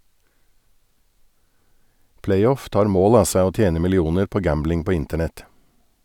Playoff tar mål av seg å tjene millioner på gambling på internett.